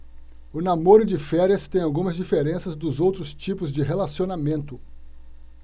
o namoro de férias tem algumas diferenças dos outros tipos de relacionamento